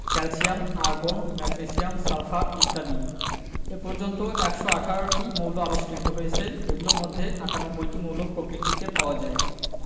calcium argon magnesium sulphur ইত্যাদি এ পর্যন্ত ১১৮টি মৌল আবিষ্কৃত হয়েছে এগুলোর মধ্যে ৯৮টি মৌল প্রকৃতিতে পাওয়া যায়